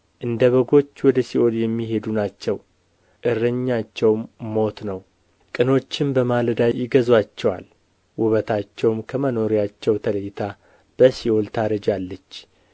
እንደ በጎች ወደ ሲኦል የሚሄዱ ናቸው እረኛቸውም ሞት ነው ቅኖችንም በማለዳ ይገዙአቸዋል ውበታቸውም ከመኖሪያቸው ተለይታ በሲኦል ታረጃለች